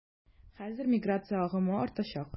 Хәзер миграция агымы артачак.